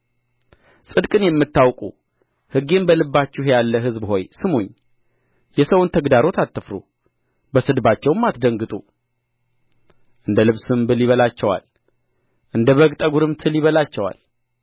ጽድቅን የምታውቁ ሕጌም በልባችሁ ያለ ሕዝብ ሆይ ስሙኝ የሰውን ተግዳሮት አትፍሩ በስድባቸውም አትደንግጡ እንደ ልብስም ብል ይበላቸዋል እንደ በግ ጠጕርም ትል ይበላቸዋል